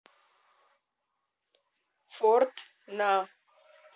форт на